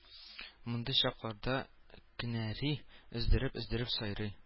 Мондый чакларда кенәри өздереп-өздереп сайрый